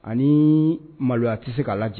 Ani maloya tɛ se k'a lajɛ